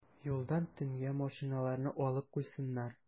Юлдан төнгә машиналарны алып куйсыннар.